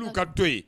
K'u ka to yen